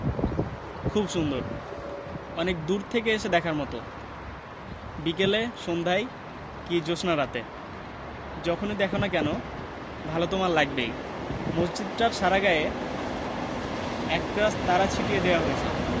খুব সুন্দর অনেক দূর থেকে এসে দেখার মতো বিকেলে সন্ধায় কি জ্যোৎস্নারাতে যখনি দ্যাখো না কেন ভালো তোমার লাগবেই মসজিদটার সারা গায়ে একরাশ তারা ছিটিয়ে দেয়া হয়েছে